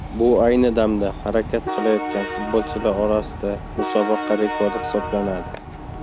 bu ayni damda harakat qilayotgan futbolchilar orasida musobaqa rekordi hisoblanadi